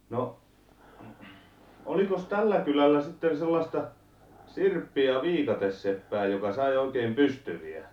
no olikos tällä kylällä sitten sellaista sirppi ja viikateseppää joka sai oikein pystyviä